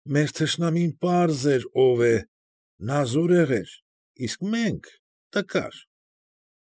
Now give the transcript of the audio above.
Մեր թշնամին պարզ էր ով է. նա զորեղ էր, իսկ մենք՝ տկար։